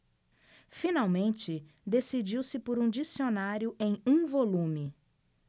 finalmente decidiu-se por um dicionário em um volume